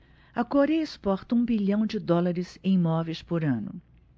a coréia exporta um bilhão de dólares em móveis por ano